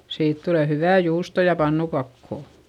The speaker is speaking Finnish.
siitä tulee hyvää juustoa ja pannukakkua